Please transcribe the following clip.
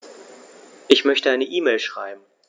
Ich möchte eine E-Mail schreiben.